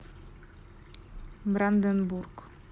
бранденбург